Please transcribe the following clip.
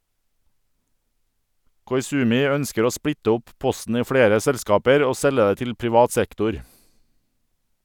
Koizumi ønsker å splitte opp posten i flere selskaper og selge det til privat sektor.